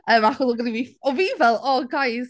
yym achos oedd gyda fi...o' fi fel "Oh guys"...